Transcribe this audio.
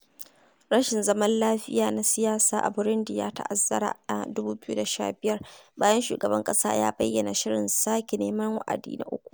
… Rashin zaman lafiya na siyasa a Burundi ya ta'azzara a 2015 bayan shugaban ƙasa ya bayyana shirin sake neman wa'adi na uku.